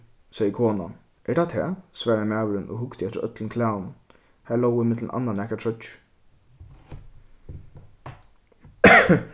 segði konan er tað tað svaraði maðurin og hugdi eftir øllum klæðunum har lógu millum annað nakrar troyggjur